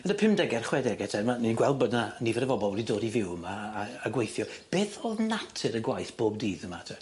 Yn y pumdege a'r chwedege te ma' ni'n gweld bod 'na nifer o bobol wedi dod i fyw yma a a a gweithio beth o'dd natur y gwaith bob dydd yma te?